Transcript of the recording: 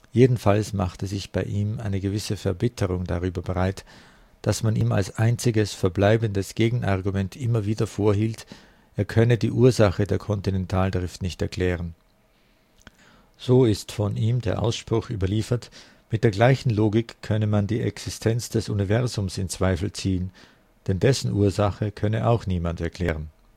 Jedenfalls machte sich bei ihm eine gewisse Verbitterung darüber breit, dass man ihm als einziges verbleibendes „ Gegenargument “immer wieder vorhielt, er könne die Ursache der Kontinentaldrift nicht erklären. So ist von ihm der Ausspruch überliefert, mit der gleichen Logik könne man die Existenz des Universums in Zweifel ziehen, denn dessen Ursache könne auch niemand erklären